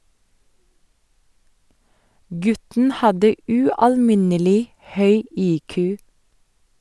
Gutten hadde ualminnelig høy IQ.